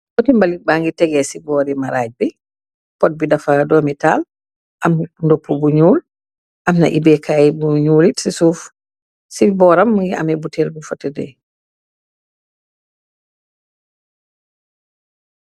Poti mbalit ba ngi tegee ci boori maraaj bi pot bi dafa doomitaal am ndoppu bu ñuul amna ebekaay bu ñuulit ci suuf ci booram ngi ame butel bu fa tede.